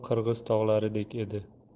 qirg'iz tog'laridek edi